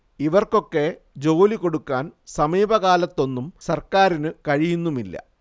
ഇവർക്കൊക്കെ ജോലി കൊടുക്കാൻ സമീപകാലത്തൊന്നും സർക്കാരിനു കഴിയുന്നുമില്ല